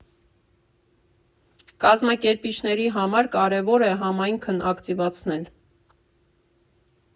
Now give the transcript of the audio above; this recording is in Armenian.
Կազմակերպիչների համար կարևոր է համայնքն ակտիվացնել։